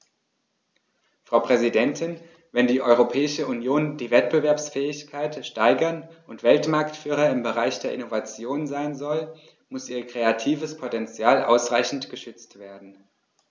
Frau Präsidentin, wenn die Europäische Union die Wettbewerbsfähigkeit steigern und Weltmarktführer im Bereich der Innovation sein soll, muss ihr kreatives Potential ausreichend geschützt werden.